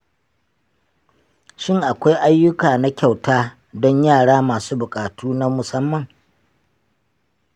shin akwai ayyuka na kyauta don yara masu buƙatu na musamman?